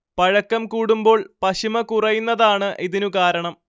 പഴക്കം കൂടുമ്പോൾ പശിമ കുറയുന്നതാണ് ഇതിനു കാരണം